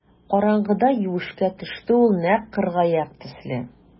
Караңгыда юешкә төште ул нәкъ кыргаяк төсле.